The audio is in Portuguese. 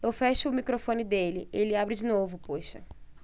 eu fecho o microfone dele ele abre de novo poxa